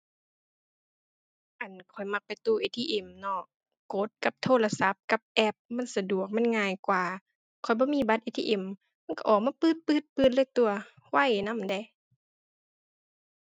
อั่น ข้อยมักไปตู้ ATM เนาะ กดกับโทรศัพท์ กับแอป มันสะดวก มันง่ายกว่า ข้อยบ่มีบัตร ATM มันก็ออกมาปื๊ดปื๊ดปื๊ดเลยตั่ว ไวนำเดะ